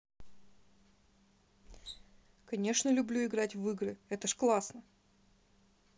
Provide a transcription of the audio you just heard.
конечно люблю играть в игры это же классно